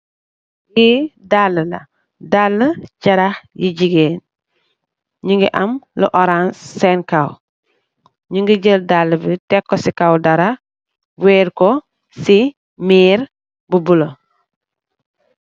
Lii daalë la, daalë carax yu jigéen. Ñu ngi am lu orans seen kow, ñu ngi jël daalë bi tek ko seen kow, weer ko si miir bulo.